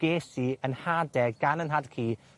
ges i yn hade gan 'yn nhad cu